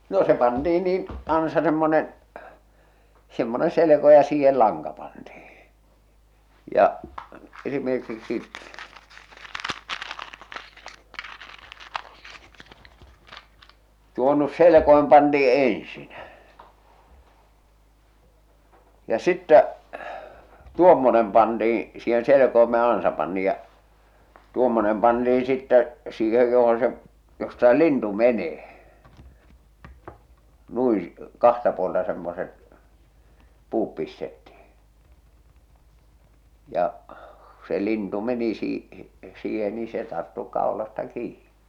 no se pantiin niin ansa semmoinen semmoinen selko ja siihen lanka pantiin ja esimerkiksi tuo nyt selkoin pantiin ensin ja sitten tuommoinen pantiin siihen selkoimeen ja ansa pantiin ja ja tuommoinen pantiin sitten siihen johon se josta se lintu menee noin kahta puolta semmoiset puut pistettiin ja kun se lintu meni - siihen niin se tarttui kaulasta kiinni